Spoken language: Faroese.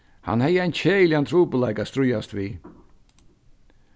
hann hevði ein keðiligan trupulleika at stríðast við